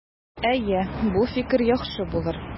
Әйе, бу фикер яхшы булыр.